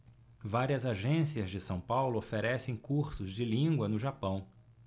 várias agências de são paulo oferecem cursos de língua no japão